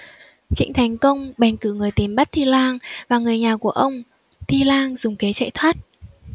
trịnh thành công bèn cử người tìm bắt thi lang và người nhà của ông thi lang dùng kế chạy thoát